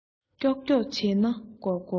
མགྱོགས མགྱོགས བྱས ན འགོར འགོར